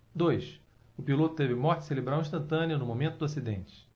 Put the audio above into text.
dois o piloto teve morte cerebral instantânea no momento do acidente